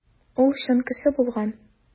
Ул чын кеше булган.